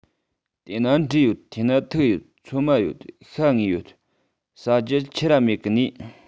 དེ ན འབྲས ཡོད འཐེན ན ཐུག ཡོད ཚོད མ ཡོད ཤ བརྔོས ཡོད ཟ རྒྱུ ཆི ར མེད གི ནིས